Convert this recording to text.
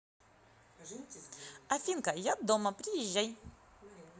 afinka я дома приезжай